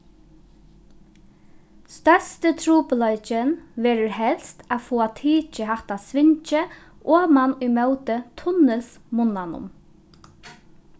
størsti trupulleikin verður helst at fáa tikið hatta svingið oman ímóti tunnilsmunnanum